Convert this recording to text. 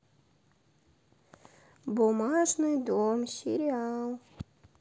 бумажный дом сериал